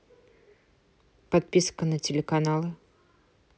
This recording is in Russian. подписка на телеканалы